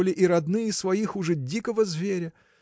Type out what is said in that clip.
коли и родные свои хуже дикого зверя?